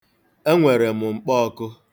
Enwere m mkpọọkụ.